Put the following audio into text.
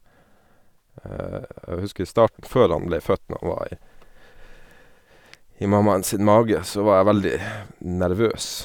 Jeg husker starten før han ble født, når han var i i mammaen sin mage, så var jeg veldig nervøs.